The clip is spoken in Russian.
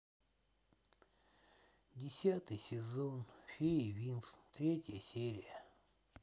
десятый сезон феи винкс третья серия